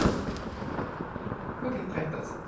OK, greit, that's it.